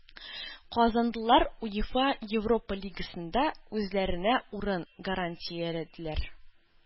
Казанлылар УЕФА Европа Лигасында үзләренә урын гарантияләделәр.